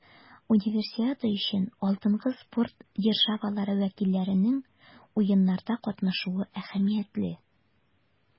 Универсиада өчен алдынгы спорт державалары вәкилләренең Уеннарда катнашуы әһәмиятле.